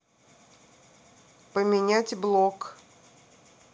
поменять блок